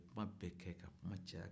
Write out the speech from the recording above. ka kuma bɛɛ kɛ ka kuma caya